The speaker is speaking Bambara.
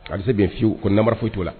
Karisa bɛyewu ko nabara foyi'o la